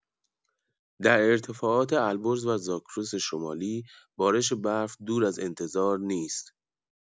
در ارتفاعات البرز و زاگرس شمالی بارش برف دور از انتظار نیست.